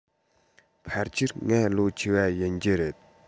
ཕལ ཆེར ང ལོ ཆེ བ ཡིན རྒྱུ རེད